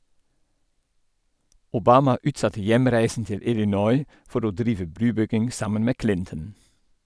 Obama utsatte hjemreisen til Illinois for å drive brubygging sammen med Clinton.